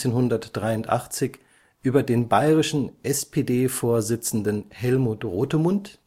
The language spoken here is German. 1983, über den bayerischen SPD-Vorsitzenden Helmut Rothemund